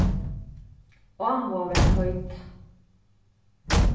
áhugavert heiti